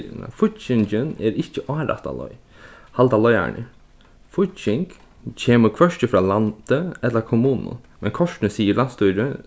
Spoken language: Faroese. er fíggingin er ikki á rætta leið halda leiðararnir fígging kemur hvørki frá landi ella kommununum men kortini sigur landsstýrið